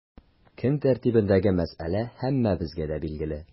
Көн тәртибендәге мәсьәлә һәммәбезгә дә билгеле.